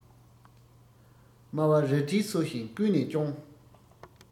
དམའ བ རལ གྲིའི སོ བཞིན ཀུན ནས སྐྱོངས